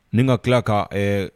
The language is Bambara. Ni ka tila ka